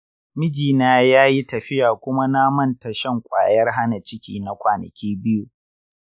mijina ya yi tafiya kuma na manta shan kwayar hana ciki na kwanaki biyu.